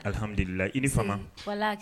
Ahammilila i ni fana